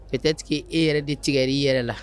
Fitɛtigi e yɛrɛ de tigɛ i yɛrɛ la